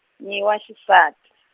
ni wa xisati.